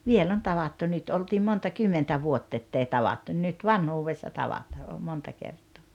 vielä on tavattu nyt oltiin monta kymmentä vuotta että ei tavattu niin nyt vanhuudessa tavataan - monta kertaa